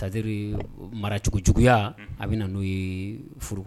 Sari maracogojugu a bɛ na n'o ye furu